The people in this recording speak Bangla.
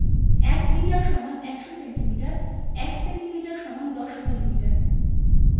১ মিটার = ১০০ সেন্টিমিটার ১ সেন্টিমিটার = ১০ মিলিমিটার